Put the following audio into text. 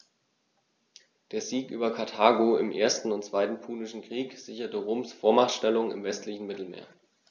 Der Sieg über Karthago im 1. und 2. Punischen Krieg sicherte Roms Vormachtstellung im westlichen Mittelmeer.